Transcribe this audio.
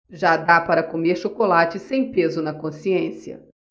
já dá para comer chocolate sem peso na consciência